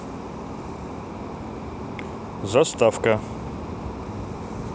заставка